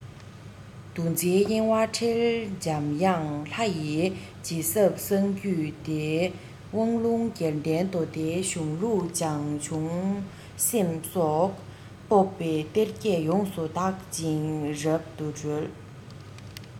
འདུ འཛིའི གཡེང བ ཧྲིལ འཇམ དབྱངས ལྷ ཡིས རྗེས ཟབ གསང རྒྱུད སྡེའི དབང ལུང རྒྱལ བསྟན མདོ སྡེའི གཞུང ལུགས བྱང ཆུབ སེམས སོགས སྤོབས པའི གཏེར བརྒྱད ཡོངས སུ དག ཅིང རབ ཏུ གྲོལ